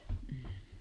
mm